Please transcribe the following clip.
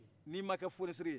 n'i ma kɛ fonisire ye